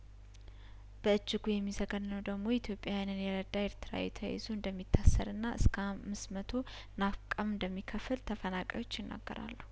በእጅጉ የሚዘገን ነው ደሞ ኢትዮጵያውያንን የረዳ ኤርትራዊ ተይዞ እንደሚታሰርና እስከአምስት መቶና ፍቃም እንደሚከፍል ተፈናቃዮች ይናገራሉ